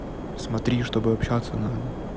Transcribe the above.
смотри чтобы общаться надо